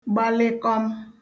gba lịkọm